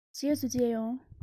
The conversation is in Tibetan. རྗེས སུ མཇལ ཡོང